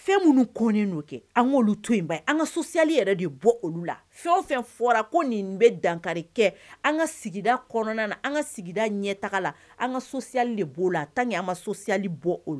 Fɛn munun kɔnnen do kɛ an kolu to in an social yɛrɛ de bɔ olu la . Fɛn o fɛn fɔra ko nin bɛ dankari kɛ an ka sigi kɔnɔna na . An ka sigida ɲɛtaa la . An ka social de bo la . Tent que an ma social bɔ olu la